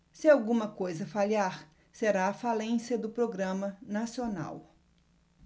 se alguma coisa falhar será a falência do programa nacional